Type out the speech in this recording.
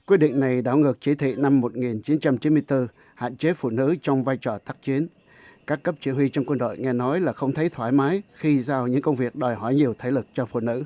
quyết định này đảo ngược chỉ thị năm một nghìn chín trăm chín mươi tư hạn chế phụ nữ trong vai trò tác chiến các cấp chỉ huy trong quân đội nghe nói là không thấy thoải mái khi giao những công việc đòi hỏi nhiều thể lực cho phụ nữ